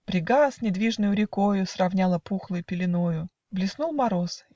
Брега с недвижною рекою Сравняла пухлой пеленою Блеснул мороз.